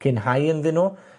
cyn hau ynddyn nw.